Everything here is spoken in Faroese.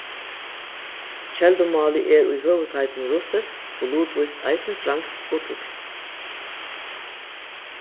keldumálið er í høvuðsheitum russiskt og lutvíst eisini franskt og týskt